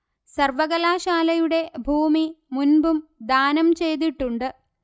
സർവകലാശാലയുടെ ഭൂമി മുൻപും ദാനം ചെയ്തിട്ടുണ്ട്